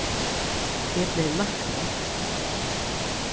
eg bleiv lækni